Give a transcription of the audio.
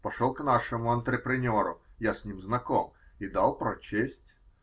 пошел к нашему антрепренеру -- я с ним знаком -- и дал прочесть.